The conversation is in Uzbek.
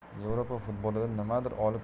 yevropa futbolidan nimadir olib